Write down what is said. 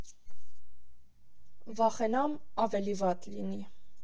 Վախենամ՝ ավելի վատ լինի։